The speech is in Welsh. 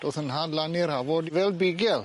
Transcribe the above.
Do'th 'yn nhad lan i'r hafod fel bugel.